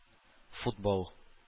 Футбол